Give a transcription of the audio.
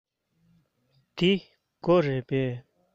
འདི སྒོ རེད པས